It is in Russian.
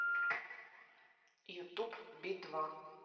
ютуб би два